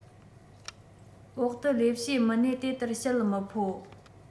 འོག ཏུ ལས བྱེད མི སྣས དེ ལྟར བཤད མི ཕོད